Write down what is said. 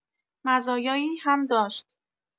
مزایایی هم داشت.